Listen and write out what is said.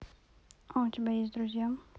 а у тебя есть друзья